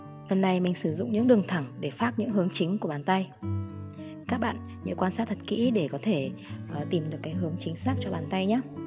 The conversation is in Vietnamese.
phần này mình sử dụng những đường thẳng để phác những hướng chính của bàn tay các bạn cũng quan sát thật kĩ để có thể tìm được cái hướng chính xác cho bàn tay nhé